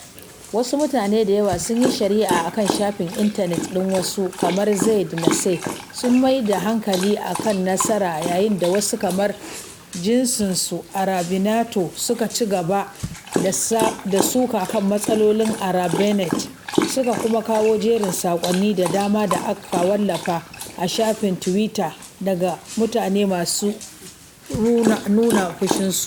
Wasu mutane da yawa sun yi sharhi a kan shafin intanet ɗin: wasu, kamar Ziad Nasser sun maida hankali kan nasara, yayin da wasu, kamar irinsu Arabinator suka ci gaba da suka kan matsalolin Arabnet, suka kuma kawo jerin saƙonni da dama da aka wallafa a shafin tuwita daga mutane masu nuna fushinsu.